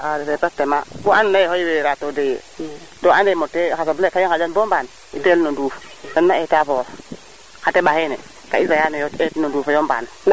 xa a refe pertement ku ando naye o xey weera to doye to ande mote xa sobleka i ngaƴan bo mbaan i teelno nduuf tena eta fort xa teɓa xeene ka i sayano yo eet no ndufo yo mbaan